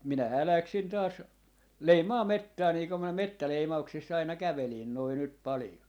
minähän lähdin taas leimaamaan metsää niin kun minä metsäleimauksissa aina kävelin noin nyt paljon